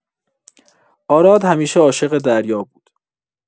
آراد همیشه عاشق دریا بود.